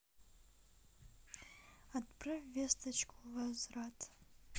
отправь весточку возврат